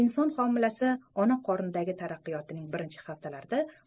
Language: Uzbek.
inson homilasi ona qornidagi rivojining birinchi haftalarida